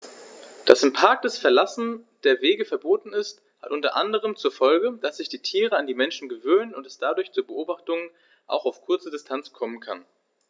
Dass im Park das Verlassen der Wege verboten ist, hat unter anderem zur Folge, dass sich die Tiere an die Menschen gewöhnen und es dadurch zu Beobachtungen auch auf kurze Distanz kommen kann.